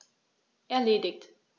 Erledigt.